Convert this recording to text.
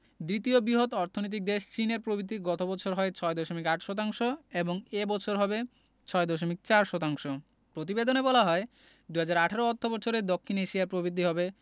দ্বিতীয় বৃহৎ অর্থনৈতিক দেশ চীনের প্রবৃদ্ধি গত বছর হয় ৬.৮ শতাংশ এবং এ বছর হবে ৬.৪ শতাংশ প্রতিবেদনে বলা হয় ২০১৮ অর্থবছরে দক্ষিণ এশিয়ায় প্রবৃদ্ধি হবে